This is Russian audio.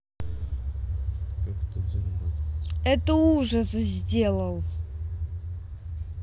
это ужас сделал